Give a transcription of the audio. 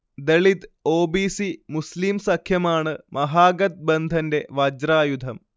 ദളിത്-ഒ. B. C- Muslim സഖ്യമാണ് മഹാഗത്ബന്ധന്റെ വജ്രായുധം